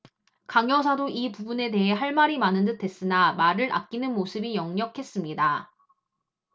강여사도 이 부분에 대해 할 말이 많은듯 했으나 말을 아끼는 모습이 역력했습니다